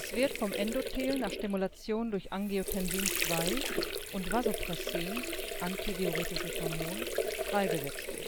wird vom Endothel nach Stimulation durch Angiotensin II und Vasopressin (Antidiuretisches Hormon) freigesetzt